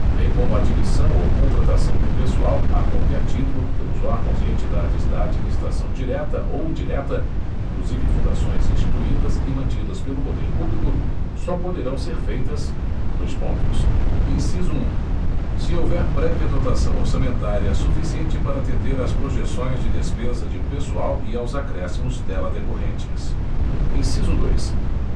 bem como a admissão ou contratação de pessoal a qualquer título pelos órgãos e entidades da administração direta ou indireta inclusive fundações instituídas e mantidas pelo poder público só poderão ser feitas dois pontos inciso um se houver prévia dotação orçamentária suficiente para atender às projeções de despesa de pessoal e aos acréscimos dela decorrentes inciso dois